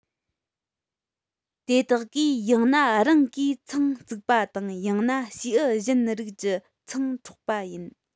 དེ དག གིས ཡང ན རང གིས ཚང རྩིག པ དང ཡང ན བྱེའུ གཞན རིགས ཀྱི ཚང འཕྲོག པ ཡིན